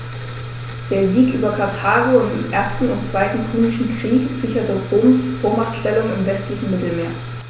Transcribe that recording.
Der Sieg über Karthago im 1. und 2. Punischen Krieg sicherte Roms Vormachtstellung im westlichen Mittelmeer.